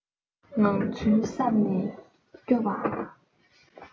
ངང ཚུལ བསམ ནས སྐྱོ བ